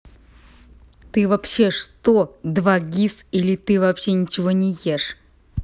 ты вообще что 2gis или ты вообще ничего не ешь